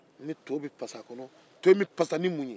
ni to bɛ pasa a kɔnɔ to in bɛ pasa ni mun ye